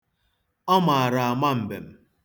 Ọ maara ama mbem.